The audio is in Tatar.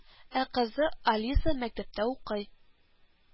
Ә кызы Алиса мәктәптә укый